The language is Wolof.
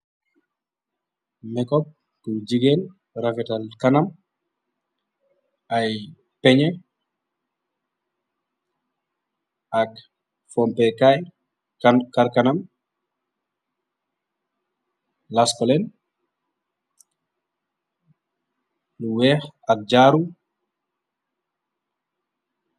Mekop ku jigéen rafetal kanam ay peñye ak phompe kay kar kanam laskolen lu weex ak jaaru